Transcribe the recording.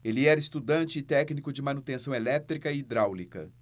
ele era estudante e técnico de manutenção elétrica e hidráulica